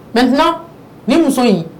Mɛ filanan nin muso in